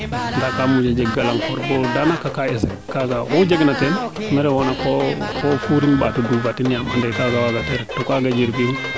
ndaa ka moƴo jeg galankor bo danaka a echec nda oxu jeg na teen me refoona ko fuurin mbaato duufa ti nin yaam ande kaaga waaga te ret to kaaga